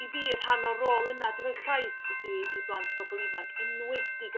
i fi rhan o rôl yna 'di roid llais i blant bobol ifanc enwedig y